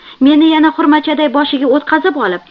meni yana xurmachaday boshiga o'tqazib olib